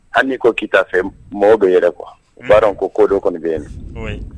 Hali n'i ko kita fɛ mɔ dɔ yɛrɛ kuwa u b'a dɔn ko ko don kɔni bɛ na